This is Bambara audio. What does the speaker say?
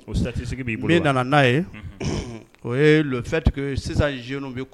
O statistique b'i bolo wa, min nana n'a ye, unhun, o ye le fait que sisan jeunes bɛ k